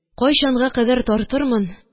Кайчанга кадәр тартырмын,